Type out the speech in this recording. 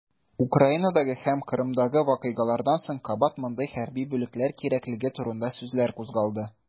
Украинадагы һәм Кырымдагы вакыйгалардан соң кабат мондый хәрби бүлекләр кирәклеге турында сүзләр кузгалды.